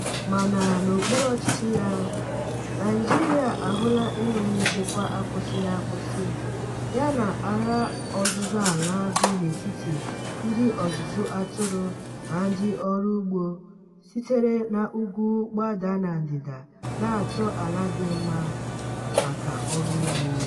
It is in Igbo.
Mana, n'okpuru ọchịchị ya, Naịjirịa ahụla enweghị nchekwa akwụsịghị akwụsị ya na agha ọzụzọ ala dị n'etiti ndị ọzụzụ atụrụ na ndị ọrụ ugbo sitere n'ugwu gbadaa na ndịda na-achọ ala ndị dị mma maka ọrụ ugbo.